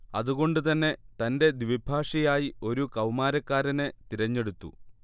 അതുകൊണ്ട് തന്നെ തന്റെ ദ്വിഭാഷിയായി ഒരു കൗമാരക്കാരനെ തിരഞ്ഞെടുത്തു